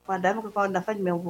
Nafa jumɛn